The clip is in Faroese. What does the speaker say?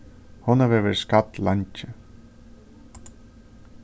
hon hevur verið skadd leingi